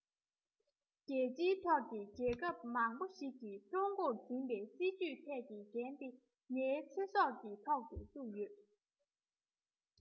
རྒྱལ སྤྱིའི ཐོག གི རྒྱལ ཁབ མང པོ ཞིག གི ཀྲུང གོར འཛིན པའི སྲིད ཇུས ཐད ཀྱི རྒྱན དེ ངའི ཚེ སྲོག གི ཐོག ཏུ བཙུགས ཡོད